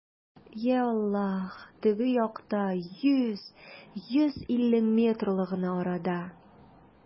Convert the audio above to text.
Йа Аллаһ, теге якта, йөз, йөз илле метрлы гына арада!